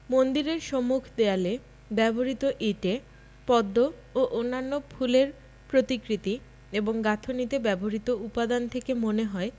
মন্দিরের সম্মুখ দেয়ালে ব্যবহূত ইটে পদ্ম ও অন্যান্য ফুলের প্রতিকৃতি এবং গাঁথুনীতে ব্যবহূত উপাদান থেকে মনে হয়